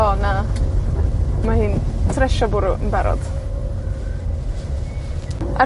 O na, mae hi'n trysio bwrw yn barod. Ar